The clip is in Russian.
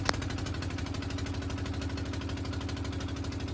фильмы от шести лет